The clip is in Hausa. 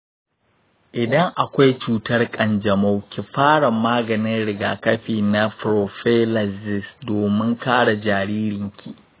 idan akwai cutar ƙanjamau, ki fara maganin rigakafi na prophylaxis domin kare jaririnki.